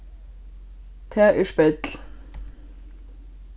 tað er spell